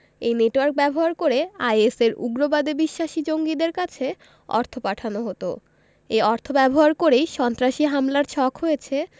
এই নেটওয়ার্ক ব্যবহার করে আইএসের উগ্রবাদে বিশ্বাসী জঙ্গিদের কাছে অর্থ পাঠানো হতো এই অর্থ ব্যবহার করেই সন্ত্রাসী হামলার ছক হয়েছে